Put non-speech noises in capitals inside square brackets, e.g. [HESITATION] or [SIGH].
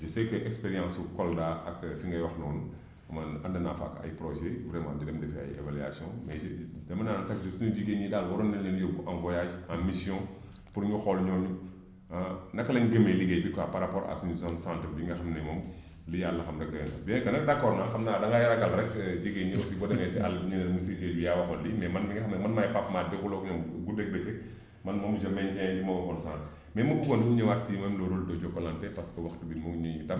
je sais qe expérience su Kolda ak fi ngay wax noonu man ànd naa fa ak ay projets vraiment di dem defi ji ay évaluations mais je dama naan chaque jour suñu jigéen ñi daal waroon nañ leen a yóbbu en voyage en mission pour ñu xool ñooñu ah naka lañ gëmee liggéey bi quoi par rapport à suñu zone centre bi nga xam ne moom li Yàlla xam rekk doy na bien que nag d' accord naa xam naa da ngay ragal rekk [HESITATION] jigéen ñi aussi [LAUGHS] boo demee si àll bi ñu ne la monsieur Diedhiou yaa waxoon lii mais man mi nga xam ne man maay Pape Mar di xulóo ak ñoom guddeeg bëccëg man moom je maintiens li ma waxoon sànq mais ma bëggoon ñu ñëwaat si même le rôle de Jokalante parce que waxtu bi mu ngi ñuy dab